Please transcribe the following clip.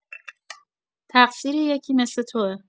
تقصیر یکی مث تو